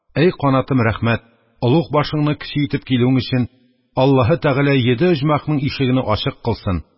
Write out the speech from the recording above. Әй канатым, рәхмәт! Олуг башыңны кече итеп килүең өчен Аллаһе Тәгалә йиде оҗмахның ишегене ачык кылсын!